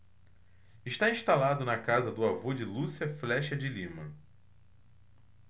está instalado na casa do avô de lúcia flexa de lima